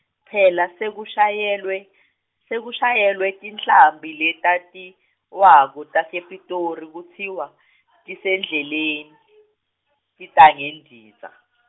phela sekushayelwe, sekushayelwe tinhlambi letatiwako tasePitoli, kutsiwa tisendleleni, tita ngendiza.